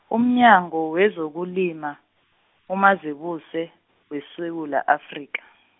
umnyango wezokulima, uMazibuse weSewula, Afrika.